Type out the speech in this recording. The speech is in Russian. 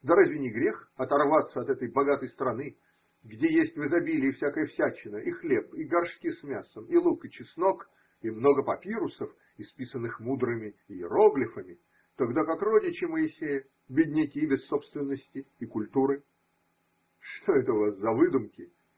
Да разве не грех оторваться от этой богатой страны, где есть в изобилии всякая всячина, и хлеб, и горшки с мясом, и лук, и чеснок, и много папирусов, исписанных мудрыми иероглифами, тогда как родичи Моисея – бедняки без собственности и культуры? Что это у вас за выдумки?